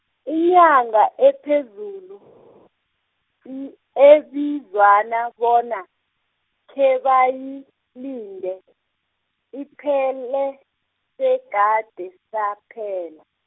inyanga ephezulu , ebezwana bona, khebayilinde, iphele, sekade yaphela.